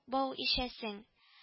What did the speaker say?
Бау ишәсең